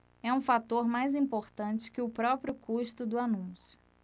é um fator mais importante que o próprio custo do anúncio